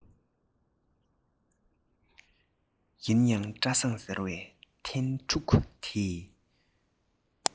ཡིན ཡང བཀྲ བཟང ཟེར བའི ཐན ཕྲུག དེས